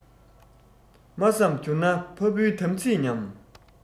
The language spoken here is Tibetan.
མ བསམས གྱུར ན ཕ བུའི དམ ཚིགས ཉམས